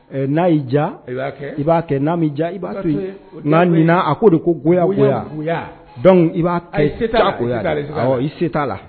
N'a' ja b'a i b'a kɛ n diya i b'a to i n'a a ko de ko go dɔnku i se t'a la